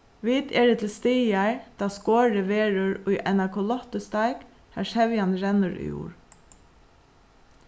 vit eru til staðar tá skorið verður í eina kulottusteik har sevjan rennur úr